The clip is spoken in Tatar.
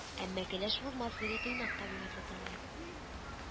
Әмма кәләш булмас, – диде тыйнак табигатьле тәлгат